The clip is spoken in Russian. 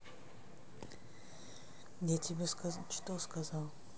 я тебе что сказал